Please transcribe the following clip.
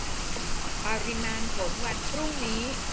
ปริมาณฝนวันพรุ่งนี้